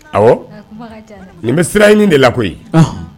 Awɔ nin bɛ sira ɲini de la koyi .